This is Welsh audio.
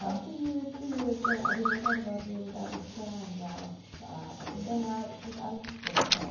A bydd, bydd, a ddim yn gorfod mynd ar restr aros a ballu, dyna jyst anhegwch y peth.